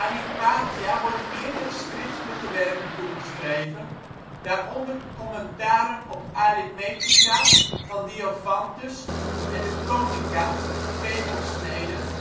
Hypatia worden meerdere schriftelijke werken toegeschreven, daaronder commentaren op Arithmetika van Diophantus en de Konica (kegelsneden